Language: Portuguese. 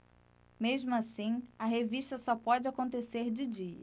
mesmo assim a revista só pode acontecer de dia